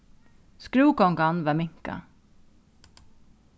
skrúðgongan var minkað